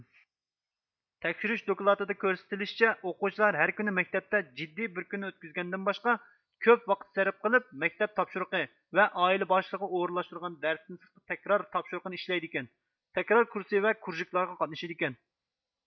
تەكشۈرۈش دوكلاتىدا كۆرسىتىلىشىچە ئوقۇغۇچىلار ھەر كۈنى مەكتەپتە جىددىي بىر كۈننى ئۆتكۈزگەندىن باشقا كۆپ ۋاقىت سەرپ قىلىپ مەكتەپ تاپشۇرۇقى ۋە ئائىلە باشلىقى ئورۇنلاشتۇرغان دەرستىن سىرتقى تەكرار تاپشۇرۇقىنى ئىشلەيدىكەن تەكرار كۇرسى ۋە كۇرژىكلارغا قاتنىشىدىكەن